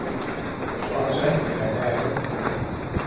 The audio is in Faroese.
sá eina sending ein dagin